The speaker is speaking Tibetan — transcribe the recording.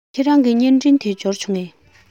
ཁྱེད རང གི བརྙན འཕྲིན དེ འབྱོར བྱུང ངས